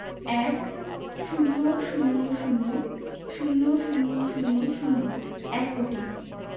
১০০০০০০০ এক কোটি